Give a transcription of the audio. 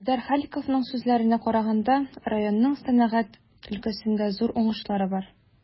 Илдар Халиковның сүзләренә караганда, районның сәнәгать өлкәсендә зур уңышлары бар.